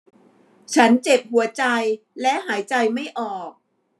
ฉันเจ็บหัวใจและหายใจไม่ออก